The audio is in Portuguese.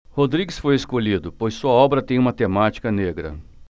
rodrigues foi escolhido pois sua obra tem uma temática negra